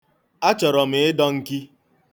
Achọghị m ịdọ nki.